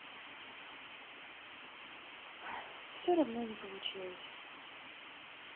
все равно не получилось